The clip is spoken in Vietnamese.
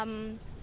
ờm